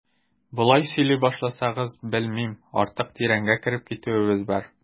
Болай сөйли башласагыз, белмим, артык тирәнгә кереп китүебез бар.